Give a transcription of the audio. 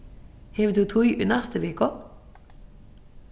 hevur tú tíð í næstu viku